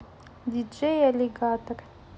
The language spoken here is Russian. dj alligator